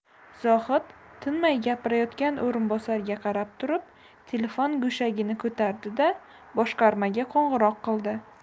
zohid tinmay gapirayotgan o'rinbosarga qarab turib telefon go'shagini ko'tardi da boshqarmaga qo'ng'iroq qildi